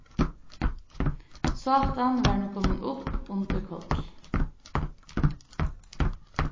sátan var nú komin upp undir koll